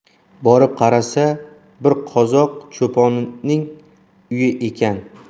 borib qarasa bir qozoq cho'ponning uyi ekan